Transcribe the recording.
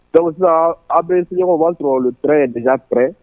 Dɔwsa aw bɛ sɲɔgɔnɔgɔba sɔrɔ olu tɛ ye d fɛ